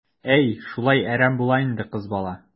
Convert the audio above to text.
Әй, шулай әрәм була инде кыз бала.